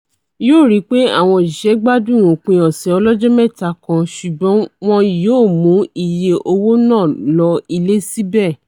Yóò ríi pé àwọn òṣiṣẹ́ gbádùn òpin ọ̀sẹ̀ ọlọ́jọ́-mẹ́ta kan - ṣùgbọ́n wọ́n yóò mú iye owó náà lọ ilé síbẹ̀.